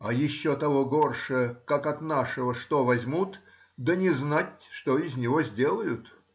А еще того горше, как от нашего что возьмут, да не знать, что из него сделают.